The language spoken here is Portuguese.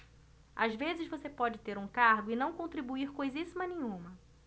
às vezes você pode ter um cargo e não contribuir coisíssima nenhuma